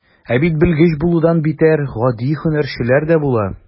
Ә бит белгеч булудан битәр, гади һөнәрчеләр дә була.